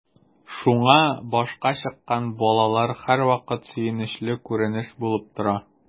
Шуңа “башка чыккан” балалар һәрвакыт сөенечле күренеш булып тора.